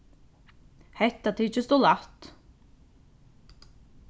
hetta tykist ov lætt